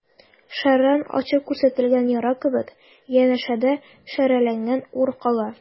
Шәрран ачып күрсәтелгән яра кебек, янәшәдә шәрәләнгән ур кала.